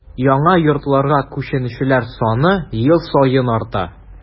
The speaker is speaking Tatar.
Яңа йортларга күченүчеләр саны ел саен арта.